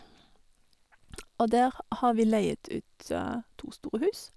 Og der har vi leiet ut to store hus.